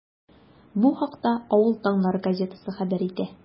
Бу хакта “Авыл таңнары” газетасы хәбәр итә.